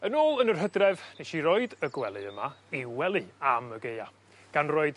Yn ôl yn yr Hydref nes i roid y gwely yma i'w wely am y gaea, gan roid